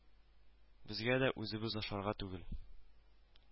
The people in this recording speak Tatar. Безгә дә үзебез ашарга түгел